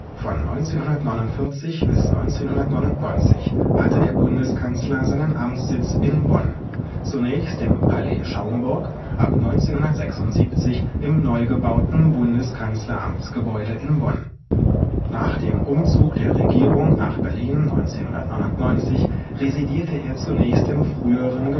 Von 1949 bis 1999 hatte der Bundeskanzler seinen Amtssitz in Bonn, zunächst im Palais Schaumburg, ab 1976 im neugebauten Bundeskanzleramtsgebäude in Bonn. Nach dem Umzug der Regierung nach Berlin 1999 residierte er zunächst im früheren